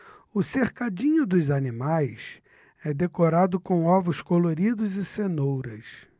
o cercadinho dos animais é decorado com ovos coloridos e cenouras